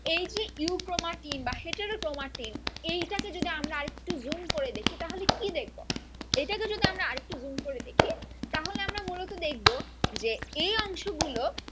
এই যে ইউক্রোমাটিন বা হেটারোক্রোমাটিন এটাকে যদি আমরা আর একটু জুম করে দেখি তাহলে কি দেখব এটাকে যদি আমরা একটু জুম করে দেখি তাহলে আমরা মূলত দেখব যে এ অংশগুলো